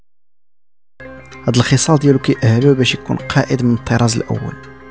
الرخيصات يبكي اهله بشكل قائد من الاول